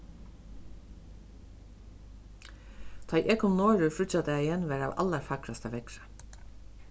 tá ið eg kom norður fríggjadagin var av allarfagrasta veðri